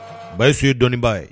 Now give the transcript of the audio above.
Ba ye su ye dɔnniɔnibaa ye